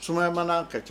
Sumaya ma na ka ca